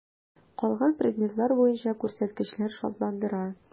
Калган предметлар буенча күрсәткечләр шатландыра.